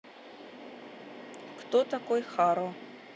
кто такой харо